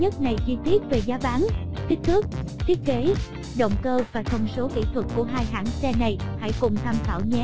chi tiết về giá bán kích thước thiết kế động cơ và thông số kỹ thuật của hãng xe này hãy cùng tham khảo nhé